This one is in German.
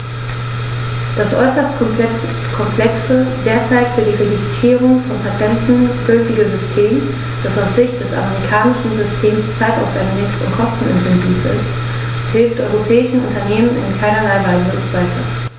Das äußerst komplexe, derzeit für die Registrierung von Patenten gültige System, das aus Sicht des amerikanischen Systems zeitaufwändig und kostenintensiv ist, hilft europäischen Unternehmern in keinerlei Weise weiter.